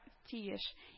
Тиеш